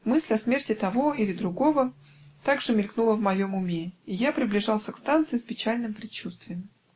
Мысль о смерти того или другого также мелькнула в моем уме, и я приближался к станции *** с печальным предчувствием.